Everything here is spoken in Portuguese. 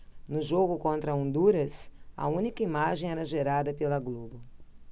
no jogo contra honduras a única imagem era gerada pela globo